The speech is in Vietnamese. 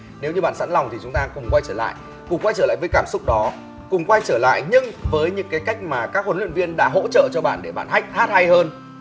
nếu như bạn sẵn lòng thì chúng ta cùng quay trở lại cùng quay trở lại với cảm xúc đó cùng quay trở lại nhưng với những cái cách mà các huấn luyện viên đã hỗ trợ cho bạn để bạn hách hát hay hơn